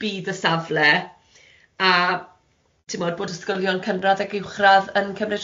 bydd y safle, a timod bod ysgolion cynradd ac uwchradd yn cymryd rhan.